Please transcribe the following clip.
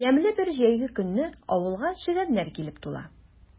Ямьле бер җәйге көнне авылга чегәннәр килеп тула.